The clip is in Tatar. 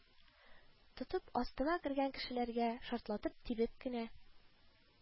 Тотып астына кергән кешеләргә шартлатып тибеп кенә